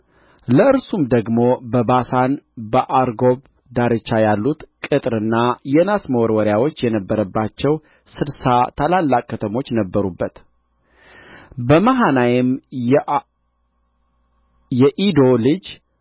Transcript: ለእርሱም ደግሞ በባሳን በአርጎብ ዳርቻ ያሉት ቅጥርና የናስ መወረወሪያዎች የነበረባቸው ስድሳ ታላላቅ ከተሞች ነበሩበት በመሃናይም የዒዶ ልጅ